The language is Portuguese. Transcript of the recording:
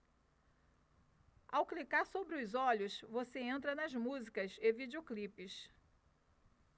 ao clicar sobre os olhos você entra nas músicas e videoclipes